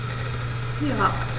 Ja.